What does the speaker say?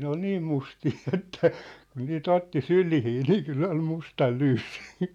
ne oli niin mustia että kun niitä otti syliin niin kyllä oli mustan lyyssi